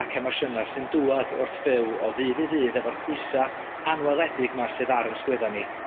ac emosiyna sy'n dŵad wrth fyw o ddydd i ddydd efo'r pwysa' anweledig 'ma sydd ar 'yn sgwydda ni